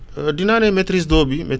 dinaa ne maitrise d' eau bi